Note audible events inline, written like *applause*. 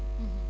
*hesitation* *hesitation*